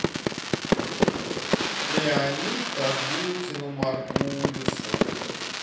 леонид агутин у маргулиса